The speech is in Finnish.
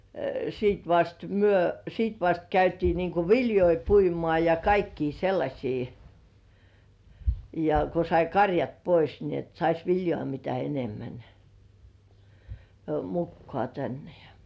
sitten vasta me sitten vasta käytiin niin kuin viljoja puimaan ja kaikkia sellaisia ja kun sai karjat pois niin että saisi viljaa mitä enemmän mukaan tänne ja